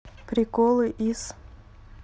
приколы из